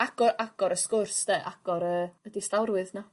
...ago- agor y sgwrs 'de agor y y distawrwydd 'na.